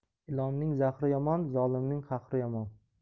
ilonning zahri yomon zolimning qahri yomon